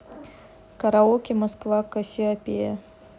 караоке москва кассиопея